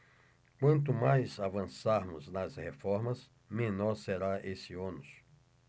quanto mais avançarmos nas reformas menor será esse ônus